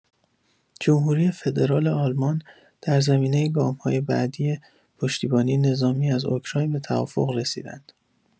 جمهوری فدرال آلمان، در زمینه گام‌های بعدی پشتیبانی نظامی از اوکراین به توافق رسیدند.